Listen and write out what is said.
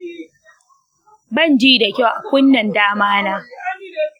ban ji da kyau a kunnen dama na.